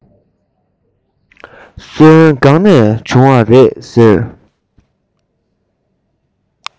སོན གང ནས བྱུང བ རེད